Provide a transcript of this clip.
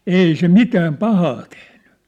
ei se mitään pahaa tehnyt